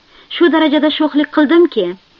shu darajada sho'xlik qildimki